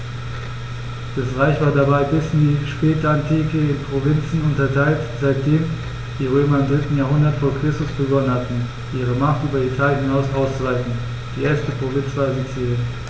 Das Reich war dabei bis in die Spätantike in Provinzen unterteilt, seitdem die Römer im 3. Jahrhundert vor Christus begonnen hatten, ihre Macht über Italien hinaus auszuweiten (die erste Provinz war Sizilien).